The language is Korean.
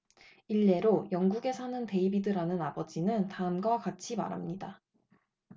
일례로 영국에 사는 데이비드라는 아버지는 다음과 같이 말합니다